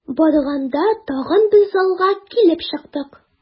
Барганда тагын бер залга килеп чыктык.